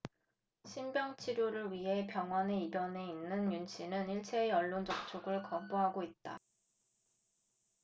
신병 치료를 위해 병원에 입원해 있는 윤씨는 일체의 언론 접촉을 거부하고 있다